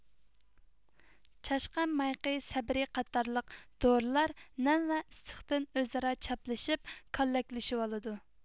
چاشقان مايىقى سەبرى قاتارلىق دورىلار نەم ۋە ئىسسىقتىن ئۆزئارا چاپلىشىپ كاللەكلىشىۋالىدۇ